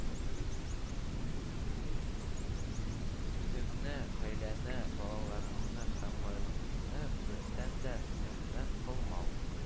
Үзеңне, гаиләңне, балаларыңны һәм байлыгыңны, берсен дә ләгънәт кылмау